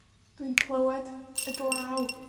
dwi'n clywed y glaw.